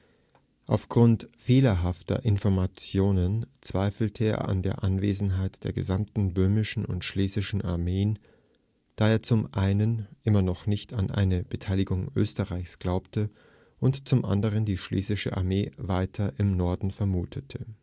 Aufgrund fehlerhafter Informationen zweifelte er an der Anwesenheit der gesamten Böhmischen und Schlesischen Armeen, da er zum einen immer noch nicht an eine Beteiligung Österreichs glaubte und zum anderen die Schlesische Armee weiter im Norden vermutete